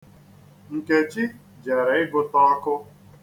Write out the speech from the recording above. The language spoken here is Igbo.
Nkechi jere ịgụta ọkụ.